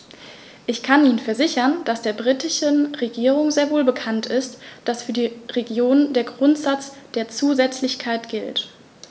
Ich kann Ihnen versichern, dass der britischen Regierung sehr wohl bekannt ist, dass für die Regionen der Grundsatz der Zusätzlichkeit gilt.